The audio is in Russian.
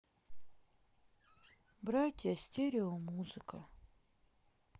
братья стерео музыка